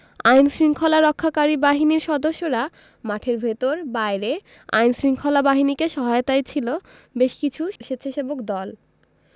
আইনশৃঙ্খলা রক্ষাকারী বাহিনীর সদস্যরা মাঠের ভেতর বাইরে আইনশৃঙ্খলা বাহিনীকে সহায়তায় ছিল বেশ কিছু স্বেচ্ছাসেবক দল